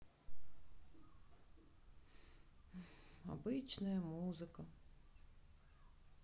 обычная музыка